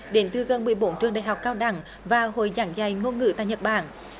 đến từ gần mười bốn trường đại học cao đẳng và hội giảng dạy ngôn ngữ tại nhật bản